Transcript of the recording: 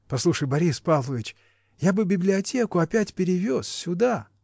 Послушай, Борис Павлович, я бы библиотеку опять перевез сюда.